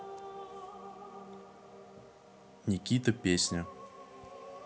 никита песня